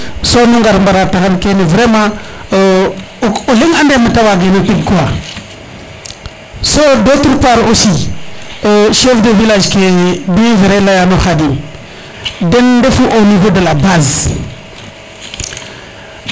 so nu ngar mbara taxar kene vraiment o leŋ ande mete wagena teg quoi so d' autre part aussi chef de village ke bien vrai leyano Khadim den ndefu au nivau de la base